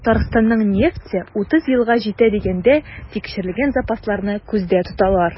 Татарстанның нефте 30 елга җитә дигәндә, тикшерелгән запасларны күздә тоталар.